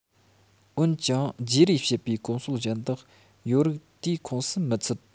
འོན ཀྱང བརྗེ རེས བྱེད པའི གོམས སྲོལ གཞན དག ཡོད རིགས དེའི ཁོངས སུ མི ཚུད